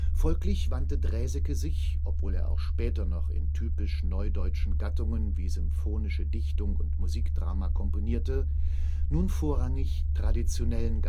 Folglich wandte Draeseke sich, obwohl er auch später noch in typisch neudeutschen Gattungen wie Symphonische Dichtung und Musikdrama komponierte, nun vorrangig traditionellen